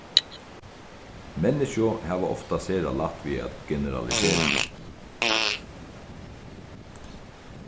menniskju hava ofta sera lætt við at generalisera